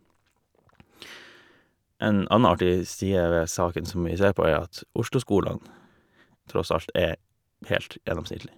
En anna artig side ved saken som vi ser på er at Oslo-skolene tross alt er helt gjennomsnittlig.